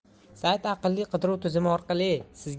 sayt aqlli qidiruv tizimi orqali sizga